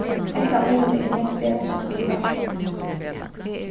hetta urið er nógv betri enn hatta